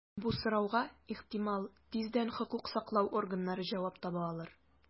Бу сорауга, ихтимал, тиздән хокук саклау органнары җавап таба алыр.